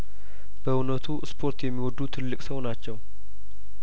በውነቱ እስፖርት የሚወዱ ትልቅ ሰው ናቸው